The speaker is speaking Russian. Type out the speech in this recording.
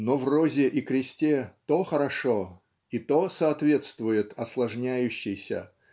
Но в "Розе и Кресте" то хорошо и то соответствует осложняющейся